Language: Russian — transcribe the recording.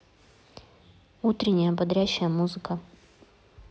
утренняя бодрящая музыка